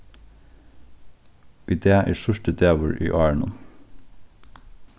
í dag er síðsti dagur í árinum